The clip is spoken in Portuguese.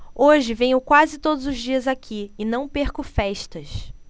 hoje venho quase todos os dias aqui e não perco festas